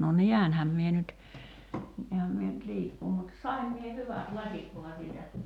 no näenhän minä nyt näenhän minä nyt liikkua mutta sain minä hyvät lasit